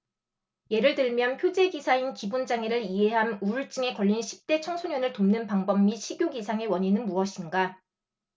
예를 들면 표제 기사인 기분 장애를 이해함 우울증에 걸린 십대 청소년을 돕는 방법 및 식욕 이상의 원인은 무엇인가